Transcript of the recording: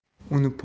uni pok deb